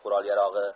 qurol yarog'i